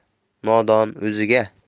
qo'yar nodon o'ziga